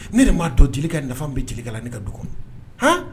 Ne de m'a dɔn jelikɛkɛ ka nafa bɛ jelikala ne ka du kɔnɔ hɔn